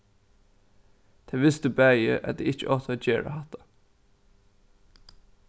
tey vistu bæði at tey ikki áttu at gera hatta